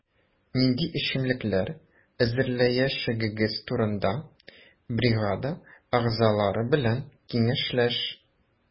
Нинди эчемлекләр әзерләячәгегез турында бригада әгъзалары белән киңәшләш.